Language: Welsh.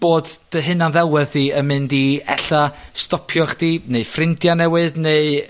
bod dy hunan ddelwedd di yn mynd i ella stopio chdi neud ffrindia newydd neu